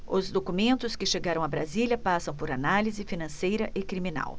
os documentos que chegaram a brasília passam por análise financeira e criminal